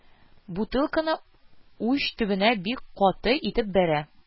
Бутылканы уч төбенә бик каты итеп бәрә